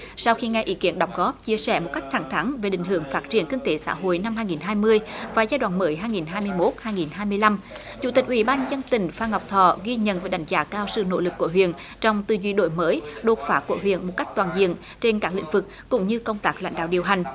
sau khi nghe ý kiến đóng góp chia sẻ một cách thẳng thắn về định hướng phát triển kinh tế xã hội năm hai nghìn hai mươi và giai đoạn mới hai nghìn hai mươi mốt hai nghìn hai mươi lăm chủ tịch ủy ban nhân dân tỉnh phan ngọc thọ ghi nhận và đánh giá cao sự nỗ lực của huyện trong tư duy đổi mới đột phá của việc một cách toàn diện trên các lĩnh vực cũng như công tác lãnh đạo điều hành